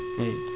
eyyi